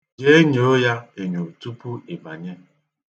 Jee nyoo ya enyo tupu ị banye.